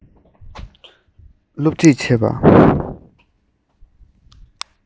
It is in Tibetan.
སློབ ཁྲིད བྱེད པ